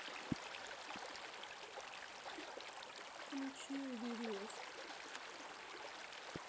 включи эверест